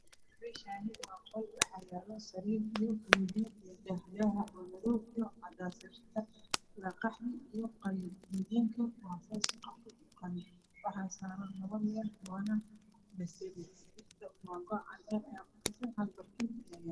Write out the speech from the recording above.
Meshani waa qol waxaa yala sariir iyo koma diin iyo dahman madow iyo cadees sariirta waa qaxwi iyo qalin komadiinka waa saas qaxwi iyo qalin waxaa saaran laba leer waana basali sariirta go cadana ayaa ku fidsan hal barkin ayaa yala